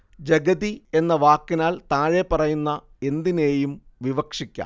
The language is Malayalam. ജഗതി എന്ന വാക്കിനാൽ താഴെപ്പറയുന്ന എന്തിനേയും വിവക്ഷിക്കാം